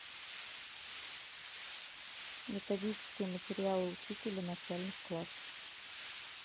методические материалы учителя начальных классов